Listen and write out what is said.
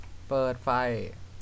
เปิดไฟ